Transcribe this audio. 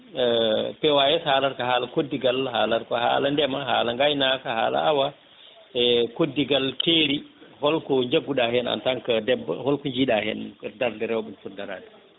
PAS haalata ko haala koddigal haalata ko haala ndeema haala gaynaka haala aawa e koddigal teeri holko jagguɗa hen en tant que debbo holko jiiɗa hen kooti darde rewɓe footi darade